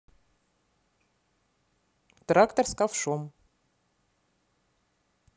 трактор с ковшом